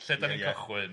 lle dan ni'n cychwyn?